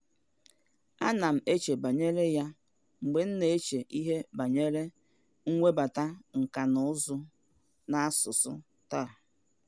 Ana m eche banyere ya mgbe m na-eche ihe banyere mwebataọha na nkà na ụzụ asụsụ taa.